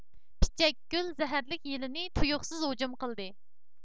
پىچەكگۈل زەھەرلىك يىلىنى تۇيۇقسىز ھۇجۇم قىلدى